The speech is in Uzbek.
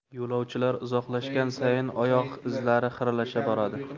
yo'lovchilar uzoqlashgan sayin oyoq izlari xiralasha boradi